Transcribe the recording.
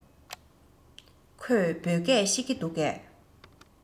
ཁོས བོད སྐད ཤེས ཀྱི འདུག གས